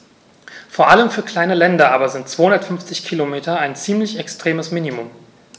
Vor allem für kleine Länder aber sind 250 Kilometer ein ziemlich extremes Minimum.